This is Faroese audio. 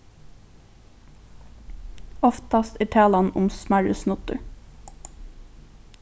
oftast er talan um smærri snuddir